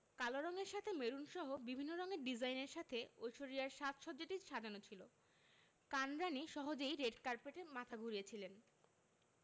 কালো রঙের সাথে মেরুনসহ বিভিন্ন রঙের ডিজাইনের সাথে ঐশ্বরিয়ার সাজ সজ্জাটি সাজানো ছিল কান রাণী সহজেই রেড কার্পেটে মাথা ঘুরিয়েছিলেন